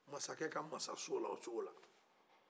masakɛ ka masasola o cogola